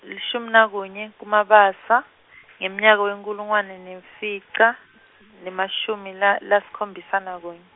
lishumi nakunye, kuMabasa , ngemnyaka wenkhulungwane nemfica , nemashumi la- lasikhombisa nakunye.